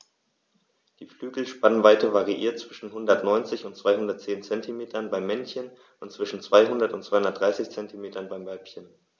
Die Flügelspannweite variiert zwischen 190 und 210 cm beim Männchen und zwischen 200 und 230 cm beim Weibchen.